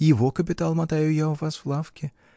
Его капитал мотаю я у вас в лавке.